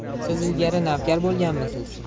siz ilgari navkar bo'lganmisiz